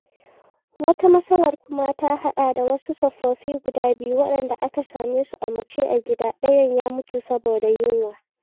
Wata matsalar kuma ta haɗa da wasu tsofaffi guda biyu waɗanda aka same su a mace a gida, ɗayan ya mutu saboda yunwa.